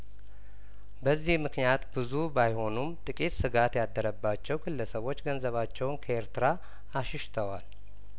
በዚህ ምክንያት ብዙ ባይሆኑም ጥቂት ስጋት ያደረባቸው ግለሰቦች ገንዘባቸውን ከኤርትራ አሽሽተዋል